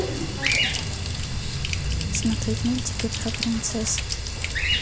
смотреть мультики про принцесс